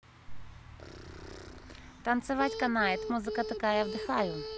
танцевать канает музыка такая вдыхаю